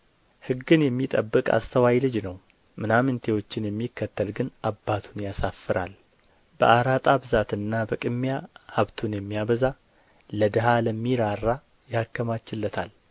ሕግን የሚጠብቅ አስተዋይ ልጅ ነው ምናምንቴዎችን የሚከተል ግን አባቱን ያሳፍራል በአራጣ ብዛትና በቅሚያ ሀብቱን የሚያበዛ ለድሀ ለሚራራ ያከማችለታል